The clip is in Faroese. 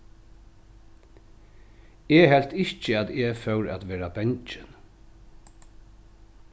eg helt ikki at eg fór at vera bangin